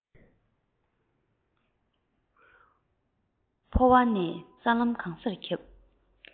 ཕོ བ ནས རྩ ལམ གང སར ཁྱབ